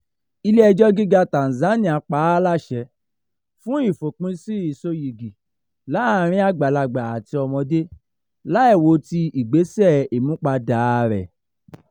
Ilé ẹjọ́ gíga Tanzania pa á láṣẹ fún ìfòpinsí ìsoyìgì láàárín àgbàlagbà àti ọmọdé láì wo ti ìgbésẹ̀ ìmúpadàa rẹ̀